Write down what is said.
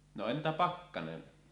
no entä pakkanen